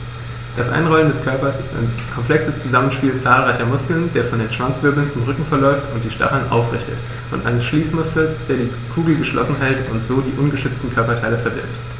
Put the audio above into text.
Das Einrollen des Körpers ist ein komplexes Zusammenspiel zahlreicher Muskeln, der von den Schwanzwirbeln zum Rücken verläuft und die Stacheln aufrichtet, und eines Schließmuskels, der die Kugel geschlossen hält und so die ungeschützten Körperteile verbirgt.